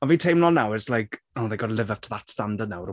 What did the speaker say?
Ond fi'n teimlo nawr, it's like, oh they've got to live up to that standard nawr...